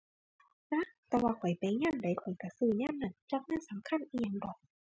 จัก แต่ว่าข้อยไปยามใดข้อยก็ซื้อยามนั้น จักมันสำคัญอิหยังดอก